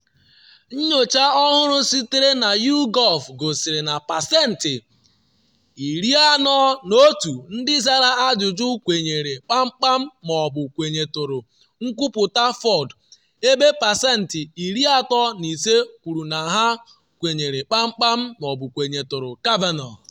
Nyocha ọhụrụ sitere na YouGov gosiri na pesentị 41 ndị zara ajụjụ kwenyere kpamkpam ma ọ bụ kwenyetụrụ nkwuputa Ford, ebe pesentị 35 kwuru na ha kwenyere kpamkpam ma ọ bụ kwenyetụrụ Kavanaugh.